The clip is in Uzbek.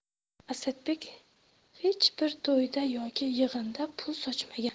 asadbek hech bir to'yda yoki yig'inda pul sochmagan